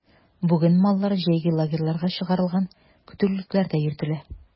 Бүген маллар җәйге лагерьларга чыгарылган, көтүлекләрдә йөртелә.